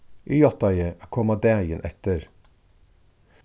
eg játtaði at koma dagin eftir